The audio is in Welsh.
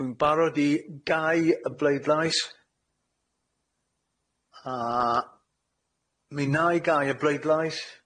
Dwi'n barod i gau y bleidlais, a mi wna i gau y bleidlais.